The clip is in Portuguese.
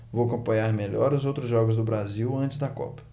vou acompanhar melhor os outros jogos do brasil antes da copa